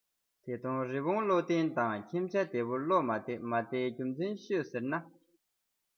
དེ མཐོང རི བོང བློ ལྡན དང ཁྱིམ བྱ དེ ཕོ བློ མ བདེ མ བདེའི རྒྱུ མཚན ཤོད ཟེར ན